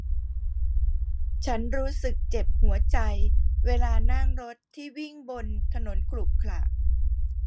ฉันรู้สึกเจ็บหัวใจเวลานั่งรถที่วิ่งบนถนนขรุขระ